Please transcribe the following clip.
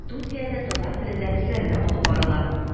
Студиядә татар теле дәресләре дә алып барыла.